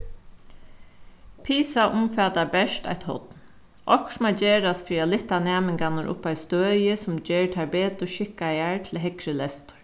pisa umfatar bert eitt horn okkurt má gerast fyri at lyfta næmingarnar upp á eitt støði sum ger teir betur skikkaðar til hægri lestur